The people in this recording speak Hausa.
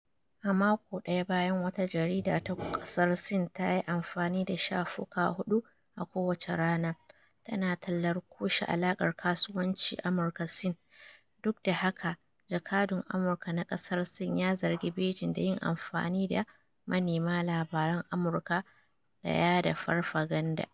A mako daya bayan wata jarida ta kasar Sin ta yi amfani da shafuka hudu a kowace rana tana tallar kushe alakar kasuwanci Amurka - Sin, duk da haka, jakadun Amurka na kasar Sin ya zargi Beijing da yin amfani da manema labaran Amurka da yada farfaganda.